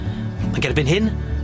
ag erbyn hyn,